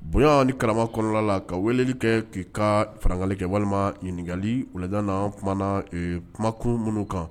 Bonya ni kalama kɔnɔna la ka weleli kɛ k'i ka faragali kɛ walima ɲininkakali wula na tumaumana na kumakuru minnu kan